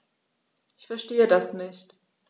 Ich verstehe das nicht.